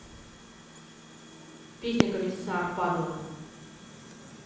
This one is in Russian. песня комиссар падла